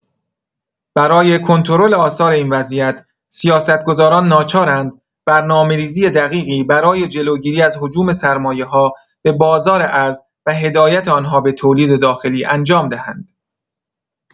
برای کنترل آثار این وضعیت، سیاست‌گذاران ناچارند برنامه‌ریزی دقیقی برای جلوگیری از هجوم سرمایه‌‌ها به بازار ارز و هدایت آنها به تولید داخلی انجام دهند.